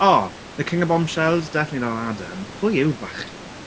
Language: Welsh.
Oh the King of Bombshells, definitely not Adam. Pwy yw'r bachgen 'na?